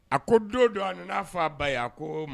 A ko don don a n'a fa a ba a ko ma